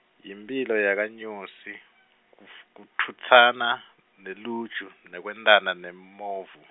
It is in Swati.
Yimphilo yakanyosi , kuf- kutfutsana, neluju nekwentana nemovu.